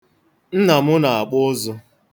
Nna m na-akpụ ụzụ.